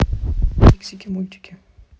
фиксики мультики